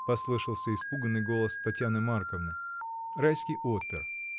— послышался испуганный голос Татьяны Марковны. Райский отпер.